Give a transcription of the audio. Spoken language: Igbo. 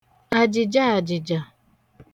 àjị̀jààjị̀jà